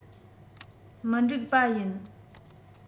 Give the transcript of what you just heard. མི འགྲིག པ ཡིན